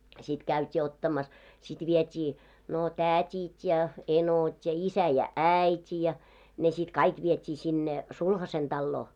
sitten käytiin ottamassa sitten vietiin no tädit ja enot ja isä ja äiti ja ne sitten kaikki vietiin sinne sulhasen taloon